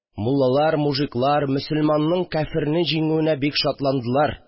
Муллалар, мужиклар мөселманның кяферне җиңүенә бик шатландылар